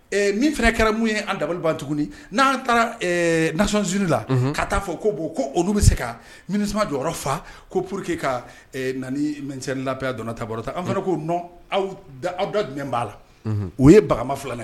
Min fana kɛra mun ye an dabali ban tuguni n'aan taara naon z la ka taa fɔ ko bon ko olu bɛ se ka miniba jɔ fa ko pour que ka na nɛn laya donna ta bɔ ta an fana ko nɔn aw awda jumɛn b'a la o ye baganma filanan ye